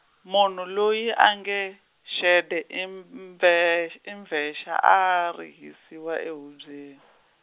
munhu loyi a nge, xede i m- mbve- i mbvexa a a rihisiwa ehubyeni.